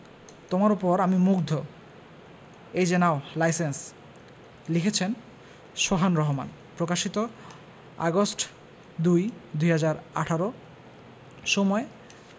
তোমার উপর আমি মুগ্ধ এই যে নাও লাইসেন্স লিখেছেনঃ শোহান রাহমান প্রকাশিতঃ আগস্ট ০২ ২০১৮ সময়